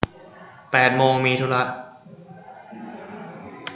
แปดโมงมีธุระ